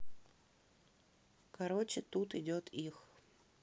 короче тут идет их